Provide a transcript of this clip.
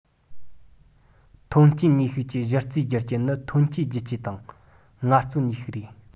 ཐོན སྐྱེད ནུས ཤུགས ཀྱི གཞི རྩའི རྒྱུ རྐྱེན ནི ཐོན སྐྱེད རྒྱུ ཆས དང ངལ རྩོལ ནུས ཤུགས རེད